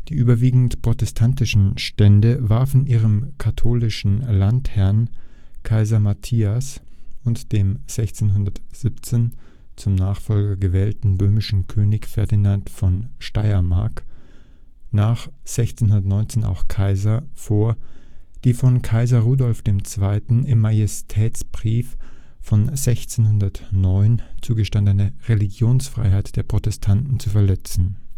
überwiegend protestantischen Stände warfen ihrem katholischen Landesherrn, Kaiser Matthias und dem 1617 zum Nachfolger gewählten böhmischen König Ferdinand von Steiermark (nach 1619 auch Kaiser) vor, die von Kaiser Rudolf II. im Majestätsbrief von 1609 zugestandene Religionsfreiheit der Protestanten zu verletzen